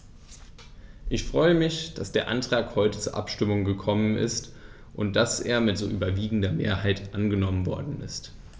Ich freue mich, dass der Antrag heute zur Abstimmung gekommen ist und dass er mit so überwiegender Mehrheit angenommen worden ist.